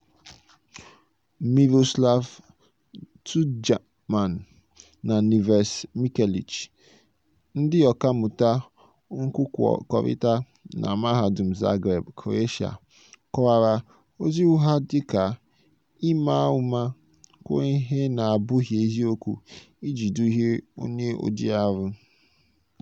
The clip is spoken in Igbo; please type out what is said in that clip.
Miroslav Tudjman na Nives Mikelic, ndị ọkà mmụta nkwukọrịta na Mahadum Zagreb, Croatia, kọwara ozi ụgha dị ka "ịma ụma kwuo ihe na-abụghị eziokwu iji duhie onye ojiarụ".